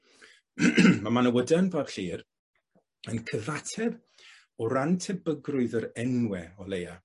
Ma' Manawydan fab Llŷr yn cyfateb o ran tebygrwydd yr enwe o leia